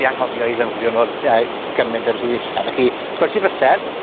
'di anghofio i ddyfrio nw yy cyment a sydd isie, fechy, croesi bysedd,